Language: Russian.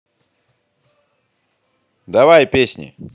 давай песни